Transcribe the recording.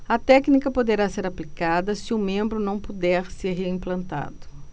a técnica poderá ser aplicada se o membro não puder ser reimplantado